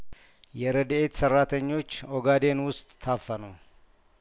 የረዲኤት ሰራተኞች ኦጋዴን ውስጥ ታፈኑ